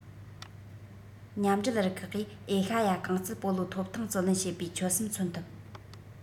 མཉམ འབྲེལ རུ ཁག གིས ཨེ ཤེ ཡ རྐང རྩེད སྤོ ལོ ཐོབ ཐང བརྩོན ལེན བྱེད པའི ཆོད སེམས མཚོན ཐུབ